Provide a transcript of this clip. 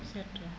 surtout